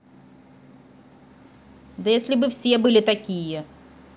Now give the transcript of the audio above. да если бы все были такие